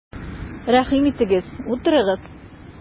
Рәхим итегез, утырыгыз!